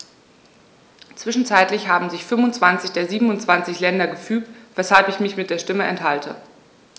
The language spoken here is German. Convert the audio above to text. Zwischenzeitlich haben sich 25 der 27 Länder gefügt, weshalb ich mich der Stimme enthalte.